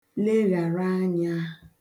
leghàra anyā